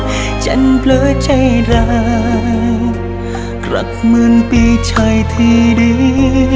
em trót vô tình thương anh như là anh trai